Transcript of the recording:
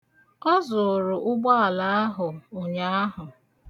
Ọ zụụrụ ụgbaala ahụ ụnyaahụ.